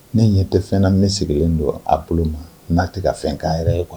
Ne ɲɛ tɛ fɛnna min sigilen don a bolo ma n'a tɛ ka fɛnkan yɛrɛ ye kuwa